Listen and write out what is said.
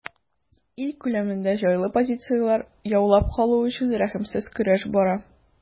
Ил күләмендә җайлы позицияләр яулап калу өчен рәхимсез көрәш бара.